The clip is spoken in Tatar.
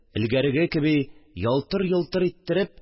Элгәреге кеби, ялтыр-йолтыр иттереп